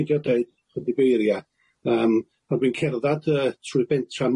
meindio deud 'chydig eiria' yym pan dwi'n cerddad yy trwy bentra